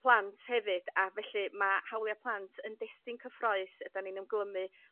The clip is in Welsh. plant hefyd a felly ma' hawlia' plant yn destun cyffrous ydan ni'n ymglymu